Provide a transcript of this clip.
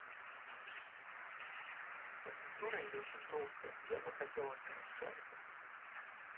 так ты дура или очень толстая я бы хотела сменить шарик